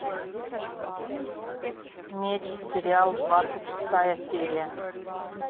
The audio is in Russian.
меч сериал двадцать шестая серия